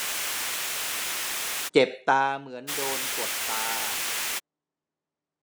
เจ็บตาเหมือนโดนกดตา